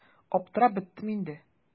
Аптырап беттем инде.